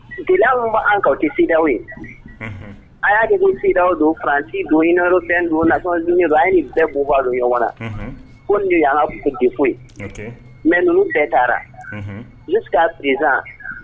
Gɛlɛya min bɛ an kan o tɛ CEDEAO ye, unhun, a' y'a fɔ ko CEDEAO don Faransi don Nations unies don, union européenne don an ye nin bɛɛ bugɔ ka don ɲɔgɔn na, unhun, ko nin de y'an ka politikiko ye, ok, mais ninnu bɛɛ taara, unhun, jusqu'à présent